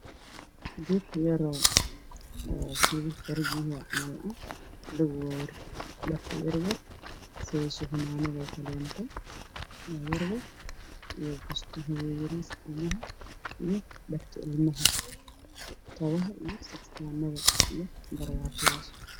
Meeshaan maxaa yeelay bir waxaa ku war waran oo saaran dhar caruur ah oo fanaanadiisu waa la